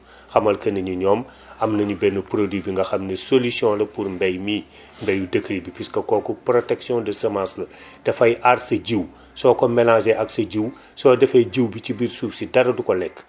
xamal que ni ñu ñoom am nañu benn produit bi nga xam ne solution la pour mbay mii mbayu décrue bi puisque kooku protection de semence la dafay aar sa jiwu soo ko mélangé ak sa jiwu soo defee jiwu bi ci biir suuf si dara du ko lekk